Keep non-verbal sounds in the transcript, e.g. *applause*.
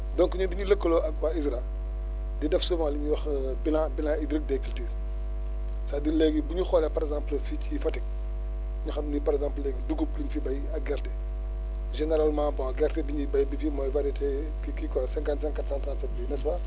donc ñun dañuy lëkkaloo ak waa ISRA di def souvent li ñuy wax *hesitation* bilan bilan hybride des cultures c' est à dire léegi bu ñu xoolee par exemple fii ci Fatick nga xam ni par exemple léegi dugub la ñu fi béy ak gerte généralement bon gerte bi ñuy béy bi fii mooy variété kii kii quoi cinquante cinq qutre cen trente sept bi n' est ce pas